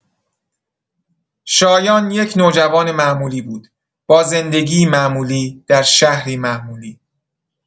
شایان یک نوجوان معمولی بود، با زندگی‌ای معمولی، در شهری معمولی.